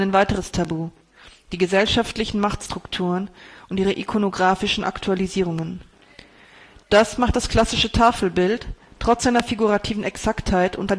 weiteres Tabu: die gesellschaftlichen Machtstrukturen und ihre ikonographischen Aktualisierung. Das macht das klassische Tafelbild trotz seiner figurativen Exaktheit und